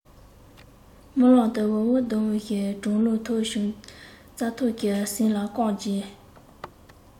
རྨི ལམ དུ འུར འུར ལྡང བའི གྲང རླུང ཐོས བྱུང རྩྭ ཐོག གི ཟིལ བ བསྐམས རྗེས